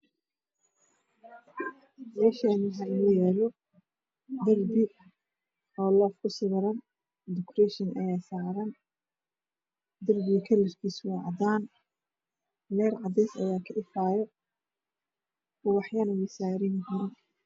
Me Shan waxa inoyala darbi olof kusawiran tukure shei aya saran dar biga kalar kisu wa cadan leer cades aya ka ifaayo ubax Yana wey saran yihin